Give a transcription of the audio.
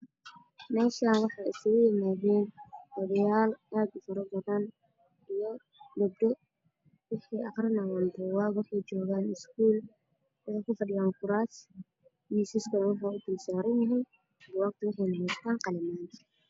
Meeshaan waxaa iskugu imaaday odayaal aad u faro badan iyo gabdho waxay aqrinayaan buugaag waxay joogaan iskuul waxay kufadhiyaan kuraas. Miisaska waxaa saaran buugaag iyo qalimaan.